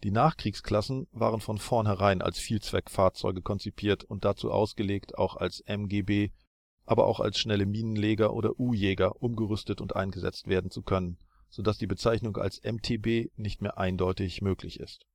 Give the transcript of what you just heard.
Nachkriegsklassen waren von vornherein als Vielzweckfahrzeuge konzipiert und dazu ausgelegt auch als MGB, aber auch als schnelle Minenleger oder U-Jäger umgerüstet und eingesetzt werden zu können, so dass die Bezeichnung als MTB nicht mehr eindeutig möglich ist